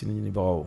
Tini ɲininbagaw